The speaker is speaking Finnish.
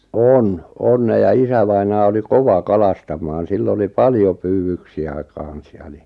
on on ne ja isävainaja oli kova kalastamaan sillä oli paljon pyydyksiä kanssa ja niin